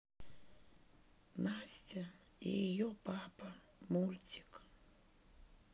настя и ее папа мультик